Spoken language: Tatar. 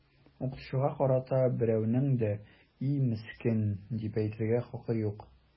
Укытучыга карата берәүнең дә “и, мескен” дип әйтергә хакы юк!